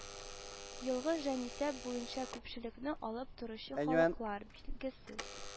Елгы җанисәп буенча күпчелекне алып торучы халыклар: билгесез